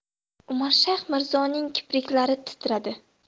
umarshayx mirzoning kipriklari titradi